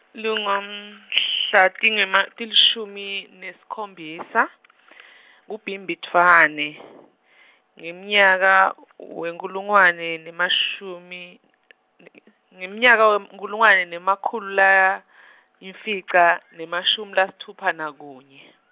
lungu mhla tingima-, tilishumi nesikhombisa , kuBhimbidvwane , ngemnyaka wenkhulungwane nemashumi, ngemnyaka wem- khulungwane nema ku layimfica, nemashumi lasitfupha nakunye .